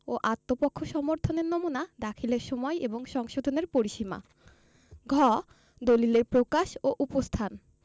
ও আত্মপক্ষ সমর্থনের নুমনা দাখিলের সময় এবং সংশোধনের পরিসীমা ঘ দলিলের প্রকাশ ও উপস্থান